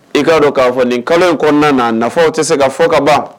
I k'a dɔ k'a fɔ nin kalo in kɔɔna na a nafaw ti se ka fɔ ka ban